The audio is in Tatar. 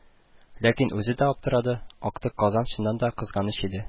Ләкин үзе дә аптырады: актык казан чыннан да кызганыч иде